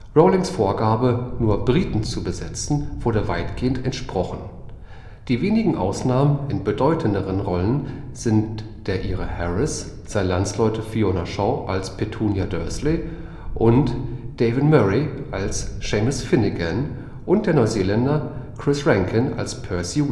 Rowlings Vorgabe, nur Briten zu besetzen, wurde weitestgehend entsprochen; die wenigen Ausnahmen in bedeutenderen Rollen sind der Ire Harris, seine Landsleute Fiona Shaw als Petunia Dursley und Devon Murray als Seamus Finnegan und der Neuseeländer Chris Rankin als Percy